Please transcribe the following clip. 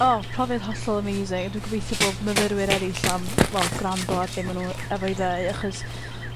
Oh, profiad hollol amazing, a dwi gobeithio bod myfyrwyr eryll am wel grando ar be' ma' nw efo i ddeu achos